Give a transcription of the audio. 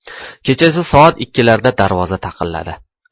kechasi soat ikkilarda darvoza taqilladi